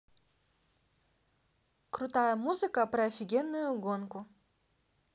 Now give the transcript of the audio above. крутая музыка про офигенную гонку